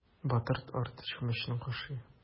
Батыр арт чүмечен кашый.